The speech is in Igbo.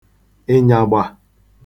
ị̀nyàgbà